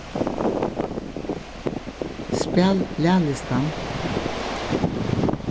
spæl laglistan